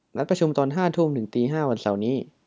นัดประชุมตอนห้าทุ่มถึงตีห้าวันเสาร์นี้